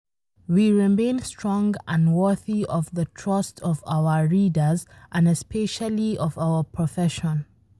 “We remain strong and worthy of the trust of our readers and especially of our profession.